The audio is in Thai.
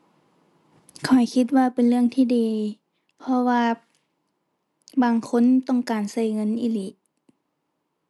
ข้อยคิดว่าเป็นเรื่องที่ดี เพราะว่า บางคนต้องการใช้เงินอีหลี